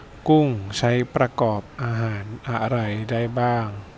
กุ้งใช้ประกอบอาหารอะไรได้บ้าง